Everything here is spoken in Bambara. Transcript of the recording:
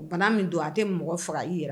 O bana min don a tɛ mɔgɔ faga i jira